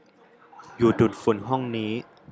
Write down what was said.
หยุดดูดฝุ่นห้องนี้